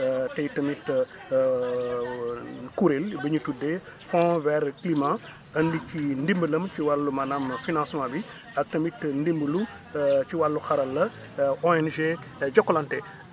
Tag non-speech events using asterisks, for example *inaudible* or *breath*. *hesitation* tey tamit *hesitation* *crosstalk* kuréel bi ñu tuddee *breath* fond vers climat andi ci ndimbalam ci wàllu maanaam *crosstalk* financement bi ak tamit ndimbalu *hesitation* ci wàllu xarala *hesitation* ONG Jokalante